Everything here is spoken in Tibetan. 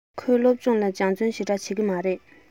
ཁོས སློབ སྦྱོང ལ སྦྱོང བརྩོན ཞེ དྲགས བྱེད ཀྱི མ རེད